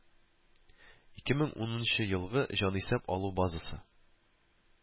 Ике мең унынчы елгы җанисәп алу базасы